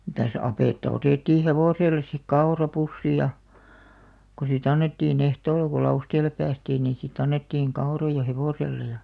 mitäs apetta otettiin hevoselle sitten kaurapussi ja kun sitten annettiin ehtoolla kun Lausteelle päästiin niin sitten annettiin kauroja hevoselle ja